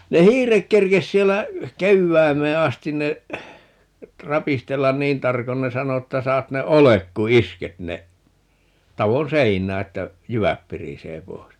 ne hiiret kerkesi siellä kevääseen asti ne rapistella niin tarkoin ne sanoi että saat ne oljet kun isket ne talon seinään että jyvät pirisee pois